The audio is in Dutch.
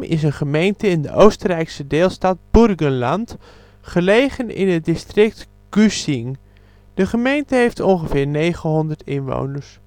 is een gemeente in de Oostenrijkse deelstaat Burgenland, gelegen in het district Güssing (GS). De gemeente heeft ongeveer 900 inwoners